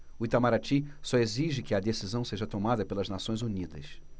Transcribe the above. o itamaraty só exige que a decisão seja tomada pelas nações unidas